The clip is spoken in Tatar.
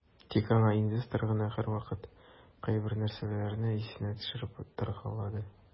Тик аңа инвестор гына һәрвакыт кайбер нәрсәләрне исенә төшереп торгалады.